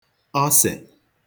ọsẹ̀